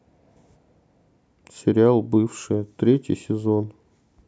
сериал бывшие третий сезон